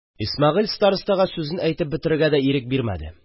Исмәгыйль старостага сүзен әйтеп бетерергә дә ирек бирмәде: